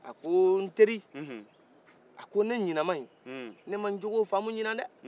a ko n teri a ko ne ŋinan maye ne ma n joko famu ŋinan dɛ